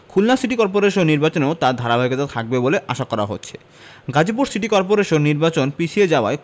Khulna city corporation নির্বাচনেও তার ধারাবাহিকতা থাকবে বলে আশা করা হচ্ছে গাজীপুর সিটি করপোরেশন নির্বাচন পিছিয়ে যাওয়ায়